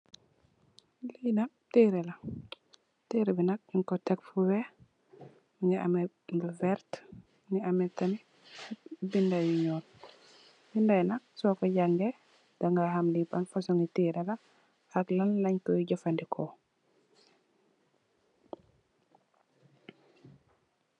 Li nak tere la tere ni nak nyun ko tek fo weex mongi ame lu wert mu ame tamit binda yu nuul bindai nak soko jangeh daga xam li ban fosongi tere la ak lan len koi jefandeko.